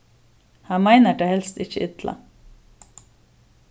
hann meinar tað helst ikki illa